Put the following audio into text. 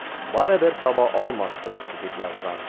Барыбер таба алмассыз, дип язган.